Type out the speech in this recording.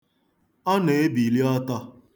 Ọ na-ebili ọtọ.